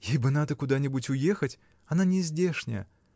Ей бы надо куда-нибудь уехать, она нездешняя.